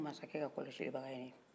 a ko masakɛ kɔlɔsili baga ye ne ye